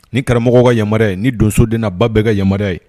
Ni karamɔgɔw ka yamaruya ye ni donso den n'a ba bɛɛ ka yamaruya ye